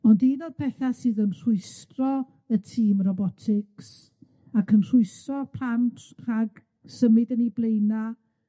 Ond un o'r petha sydd yn rhwystro y tîm robotics, ac yn rhwystro plant rhag symud yn 'u blaena'